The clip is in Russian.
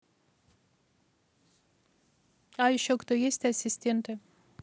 а еще кто есть ассистенты